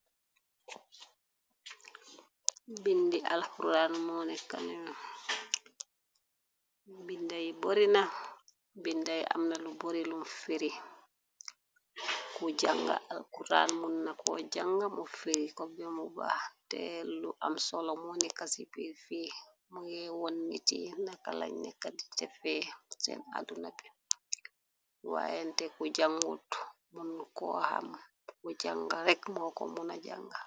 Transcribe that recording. Binda alquran mo neka ni benda yi bori na binda amna lu bori lu firi ku jànga alkuraan mun na ko janga mu firi ko bemu ba te lu am solo monika ci piir fi mungee woon nit yi ndakalañ nekk di ca fee seen àdduna bi waaye nte ku jàngut mun ko xam bu jànga rekk moo ko muna jànga.